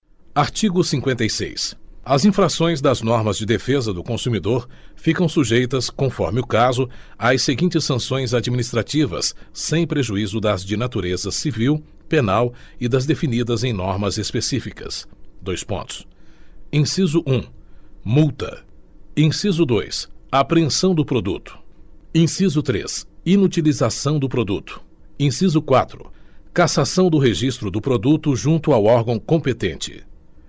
artigo cinquenta e seis as infrações das normas de defesa do consumidor ficam sujeitas conforme o caso às seguintes sanções administrativas sem prejuízo das de natureza civil penal e das definidas em normas específicas dois pontos inciso um multa inciso dois apreensão do produto inciso três inutilização do produto inciso quatro cassação do registro do produto junto ao órgão competente